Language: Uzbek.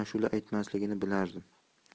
ashula aytmasligini bilardim